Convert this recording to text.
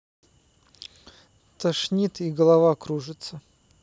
тошнит и голова кружится